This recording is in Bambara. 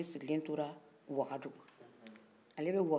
siginlen tora wagadugu ale bɛ wagadugu